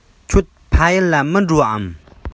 ཁྱོད ཕ ཡུལ ལ མི འགྲོ འམ